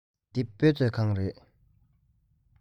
འདི དཔེ མཛོད ཁང རེད